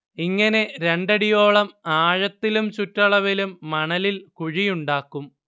ഇങ്ങനെ രണ്ടടിയോളം ആഴത്തിലും ചുറ്റളവിലും മണലിൽ കുഴിയുണ്ടാക്കും